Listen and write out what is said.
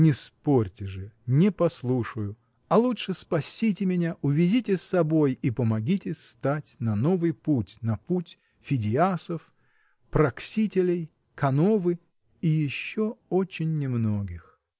Не спорьте же, не послушаю, а лучше спасите меня, увезите с собой и помогите стать на новый путь, на путь Фидиасов, Праксителей, Кановы — и еще очень немногих!